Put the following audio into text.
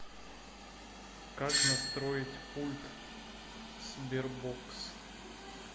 как настроить пульт sberbox